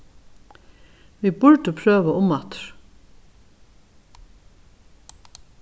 vit burdu prøvað umaftur